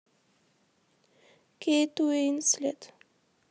кейт уинслет